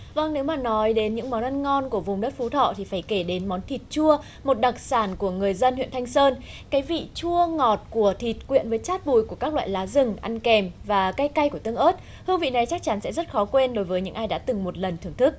vâng nếu mà nói đến những món ăn ngon của vùng đất phú thọ thì phải kể đến món thịt chua một đặc sản của người dân huyện thanh sơn cái vị chua ngọt của thịt quyện với chát bùi của các loại lá rừng ăn kèm và cay cay của tương ớt hương vị này chắc chắn sẽ rất khó quên đối với những ai đã từng một lần thưởng thức